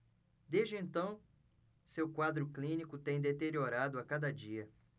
desde então seu quadro clínico tem deteriorado a cada dia